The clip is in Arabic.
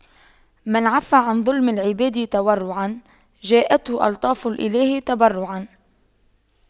من عَفَّ عن ظلم العباد تورعا جاءته ألطاف الإله تبرعا